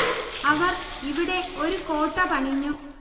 അവര് ഇവിടെ ഒരു കോട്ട പണിഞ്ഞു